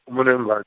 umule wembaj-.